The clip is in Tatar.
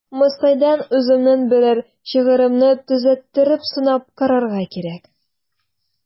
Мостайдан үземнең берәр шигыремне төзәттереп сынап карарга кирәк.